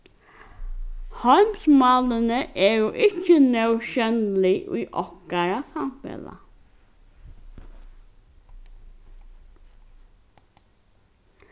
heimsmálini eru ikki nóg sjónlig í okkara samfelag